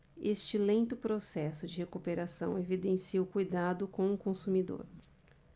este lento processo de recuperação evidencia o cuidado com o consumidor